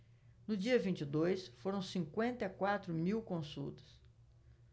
no dia vinte e dois foram cinquenta e quatro mil consultas